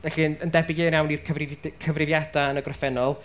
Felly yn yn debyg iawn i'r cyfrifiadu- cyfrifiadau yn y gorffennol.